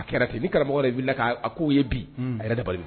A kɛra ten ni karamɔgɔ de bɛ k'a ko ye bi a yɛrɛ da bali